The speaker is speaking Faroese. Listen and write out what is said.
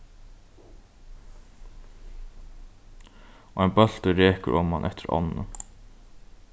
ein bóltur rekur oman eftir ánni